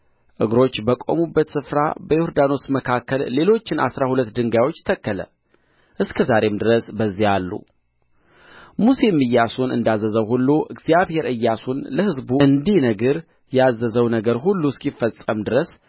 እግሮች በቆሙበት ስፍራ በዮርዳኖስ መካከል ሌሎችን አሥራ ሁለት ድንጋዮች ተከለ እስከ ዛሬም ድረስ በዚያ አሉ ሙሴም ኢያሱን እንዳዘዘው ሁሉ እግዚአብሔር ኢያሱን ለሕዝቡ እንዲነግር ያዘዘው ነገር ሁሉ እስኪፈጸም ድረስ